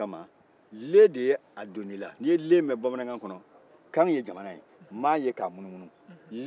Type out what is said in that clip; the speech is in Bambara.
n'i le mɛn bamanan kɔnɔ kan ye jamana ye ma ye k'a munumunu le de ye k'o donna i la